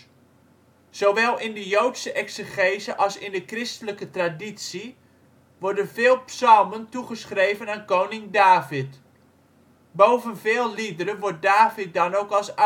Zowel in de joodse exegese als in de christelijke traditie worden veel psalmen toegeschreven aan koning David. Boven veel liederen wordt David dan ook als